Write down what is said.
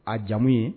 A jamu ye